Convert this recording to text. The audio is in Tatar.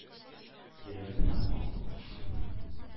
Йөрәгем һәм хаклык кушканны.